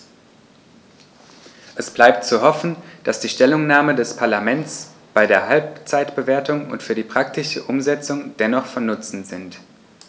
Es bleibt zu hoffen, dass die Stellungnahmen des Parlaments bei der Halbzeitbewertung und für die praktische Umsetzung dennoch von Nutzen sind.